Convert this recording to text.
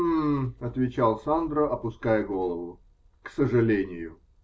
-- М-м, -- отвечал Сандро, опуская голову, -- к сожалению.